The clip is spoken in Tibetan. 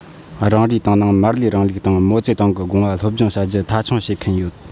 རང རེའི ཏང ནང མར ལེའི རིང ལུགས དང མའོ ཙེ ཏུང གི དགོངས པ སློབ སྦྱོང བྱ རྒྱུ མཐའ འཁྱོངས བྱེད མཁན ཡོད